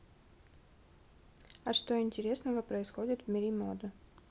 а что интересного происходит в мире моды